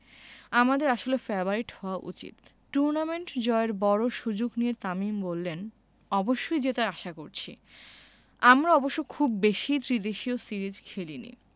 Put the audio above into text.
আমাদের আসলে ফেবারিট হওয়া উচিত টুর্নামেন্ট জয়ের বড় সুযোগ নিয়ে তামিম বললেন অবশ্যই জেতার আশা করছি আমরা অবশ্য খুব বেশি ত্রিদেশীয় সিরিজ খেলেনি